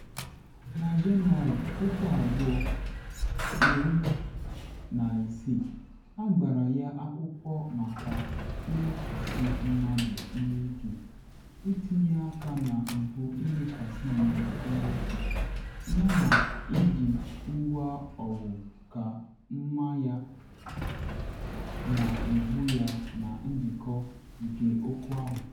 Na Jenụwarị 2016 agbara ya akwụkwọ maka ịmekwasị mmadụ ihe ike, itinye aka na mpụ ịmekwasị mmadụ ihe ihe, yana iji ngwaọgụ ka mmanya na egbu ya na njikọ nke okwu ahụ.